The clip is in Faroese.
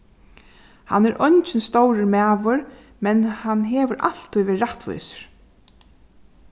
hann er eingin stórur maður men hann hevur altíð verið rættvísur